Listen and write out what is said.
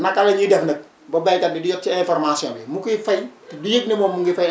naka la ñuy def nag ba béykat bi di jot ci information bi mu koy fay du yëg ne moom mu ngi fay